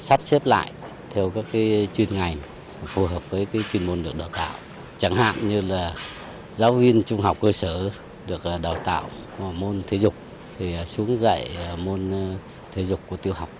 sắp xếp lại theo các cái chuyên ngành phù hợp lý về chuyên môn được đào tạo chẳng hạn như là giáo viên trung học cơ sở được đào tạo của môn thể dục thì xuống dạy ở môn thể dục của tiểu học